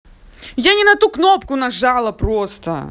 я не на ту кнопку нажала просто